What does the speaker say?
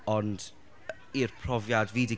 Ond, i'r profiad fi 'di...